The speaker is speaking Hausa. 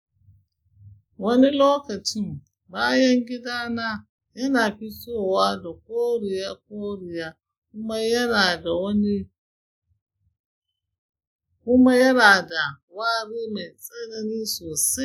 wani lokacin bayan gida na yana fitowa da koriya-koriya kuma yana da wari mai tsanani sosai.